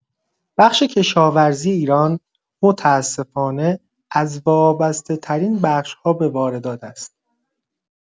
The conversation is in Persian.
بخش کشاورزی ایران متاسفانه از وابسته‌ترین بخش‌ها به واردات است.